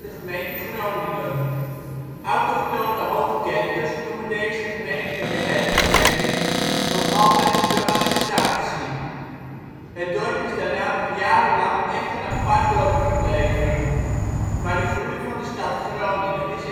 gemeente Groningen. Autochtone Hoogkerkers noemen deze gemeentelijke herindeling nog altijd " de annexatie ". Het dorp is daarna nog jarenlang echt een apart dorp gebleven, maar de groei van de stad Groningen is